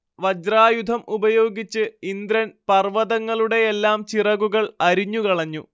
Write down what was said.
വജ്രായുധം ഉപയോഗിച്ച് ഇന്ദ്രൻ പർവ്വതങ്ങളുടെയെല്ലാം ചിറകുകൾ അരിഞ്ഞുകളഞ്ഞു